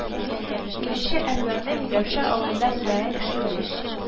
Тирече Әнвәрне Миләүшә авылында белмәгән кеше юк